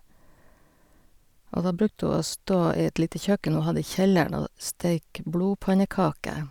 Og da brukte hun å stå i et lite kjøkken hun hadde i kjelleren, og steike blodpannekaker.